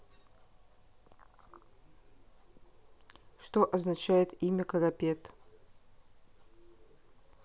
что означает имя карапет